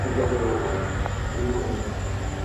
Nid y le ef yw gwneud hynny.